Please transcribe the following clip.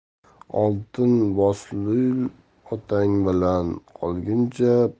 oltin boslui otang bilan qolguncha